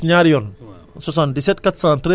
413 46 ñaari yoon